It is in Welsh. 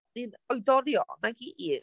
Ni'n oedolion, nag y'n ni?